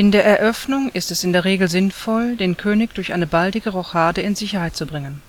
der Eröffnung ist es in der Regel sinnvoll, den König durch eine baldige Rochade in Sicherheit zu bringen